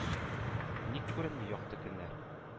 Ник күренми якты көннәр?